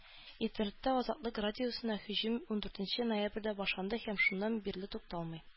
Интернетта Азатлык радиосына һөҗүм ундүртенче ноябрьдә башланды һәм шуннан бирле тукталмый.